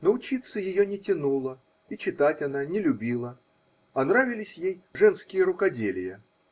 Но учиться ее не тянуло, и читать она не любила,а нравились ей женские рукоделия.